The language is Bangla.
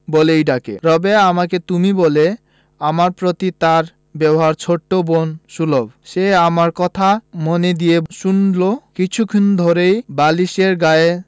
বলেই ডাকে রাবেয়া আমাকে তুমি বলে আমার প্রতি তার ব্যবহার ছোট বোন সুলভ সে আমার কথা মন দিয়ে শুনলো কিছুক্ষণ ধরেই বালিশের গায়ে